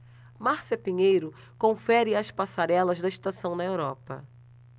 márcia pinheiro confere as passarelas da estação na europa